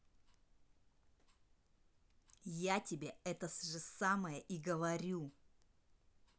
я тебе это же самое и говорю